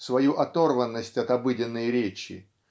свою оторванность от обыденной речи